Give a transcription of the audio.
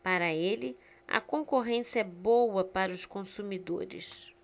para ele a concorrência é boa para os consumidores